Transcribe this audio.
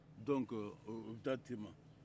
donke o bɛ taa tema